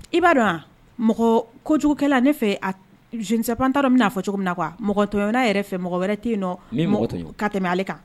I b'a dɔn wa mɔgɔ ko kojugukɛla la ne fɛcp taara min bɛna'a fɔ cogo min na mɔgɔtoɔnna yɛrɛ fɛ mɔgɔ wɛrɛ tɛ yen ka tɛmɛ ale kan